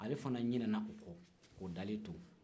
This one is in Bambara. ale fana ɲina na o kɔ k'o dalen to